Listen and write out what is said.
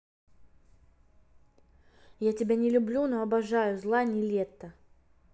я тебя не люблю но обожаю зла нилетто